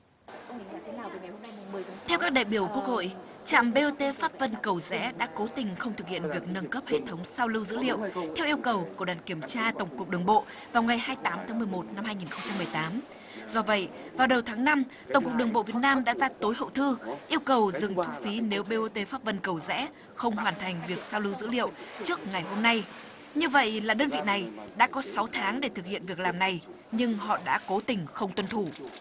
theo các đại biểu quốc hội trạm bê ô tê pháp vân cầu giẽ đã cố tình không thực hiện việc nâng cấp hệ thống sao lưu dữ liệu theo yêu cầu của đoàn kiểm tra tổng cục đường bộ vào ngày hai tám tháng mười một năm hai nghìn không trăm mười tám do vậy vào đầu tháng năm tổng cục đường bộ việt nam đã ra tối hậu thư yêu cầu dừng thu phí nếu bê ô tê pháp vân cầu giẽ không hoàn thành việc sao lưu dữ liệu trước ngày hôm nay như vậy là đơn vị này đã có sáu tháng để thực hiện việc làm này nhưng họ đã cố tình không tuân thủ